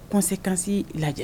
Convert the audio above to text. Kɔnsekansi lajɛ